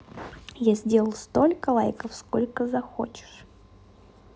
я сделал столько лайков сколько захочешь